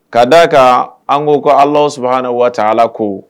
Ka d' a kan an k ko ko aw su ni waata ala ko